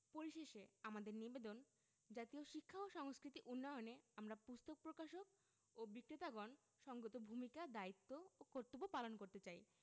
পরিশেষে আমাদের নিবেদন জাতীয় শিক্ষা ও সংস্কৃতি উন্নয়নে আমরা পুস্তক প্রকাশক ও বিক্রেতাগণ সঙ্গত ভূমিকা দায়িত্ব ও কর্তব্য পালন করতে চাই